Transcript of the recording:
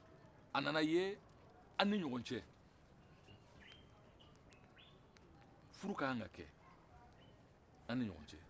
a nana ye an ni ɲɔgɔn cɛ furu ka kan ka kɛ an ni ɲɔgɔn cɛ